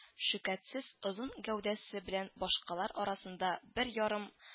Шөкәтсез озын гәүдәсе белән башкалар арасында бер ярым